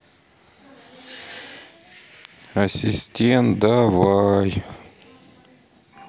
ассистент давай